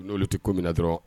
N'olu tɛ ko min na dɔrɔnw